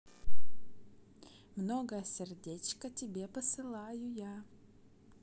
многое сердечко тебе посылаю я